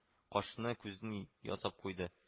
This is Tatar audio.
Кашны-күзне ясап куйды